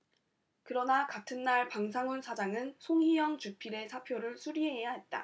그러나 같은 날 방상훈 사장은 송희영 주필의 사표를 수리해야 했다